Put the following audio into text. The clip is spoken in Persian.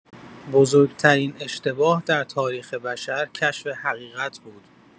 بزرگ‌ترین اشتباه در تاریخ بشر، کشف حقیقت بود.